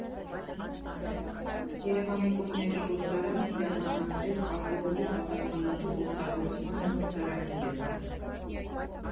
Երևանի կոնյակի գործարանն իրականացրեց ալկոհոլի պատասխանատու օգտագործման նոր ծրագիրը։